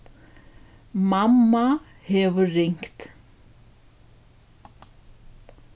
mamma hevur ringt